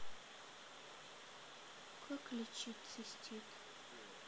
как лечить цистит